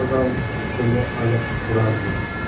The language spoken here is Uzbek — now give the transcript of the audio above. uchishini aniq ko'rardi